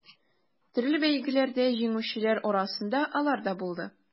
Төрле бәйгеләрдә җиңүчеләр арасында алар да булды.